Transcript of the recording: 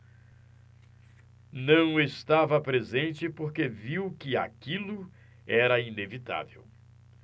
não estava presente porque viu que aquilo era inevitável